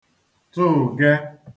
tụ̀ụ̀ge